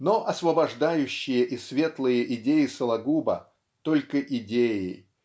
Но освобождающие и светлые идеи Сологуба -- только идеи